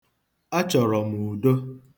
Achọrọ m udo.